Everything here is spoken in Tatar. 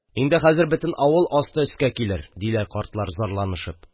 Инде хәзер бөтен авылның асты-өскә килер! – диләр картлар, зарланышып.